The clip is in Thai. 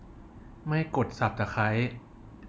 ไม่กดสับตะไคร้